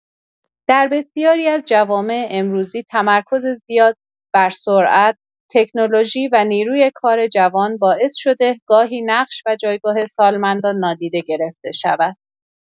در بسیاری از جوامع امروزی تمرکز زیاد بر سرعت، تکنولوژی و نیروی کار جوان باعث شده گاهی نقش و جایگاه سالمندان نادیده گرفته شود.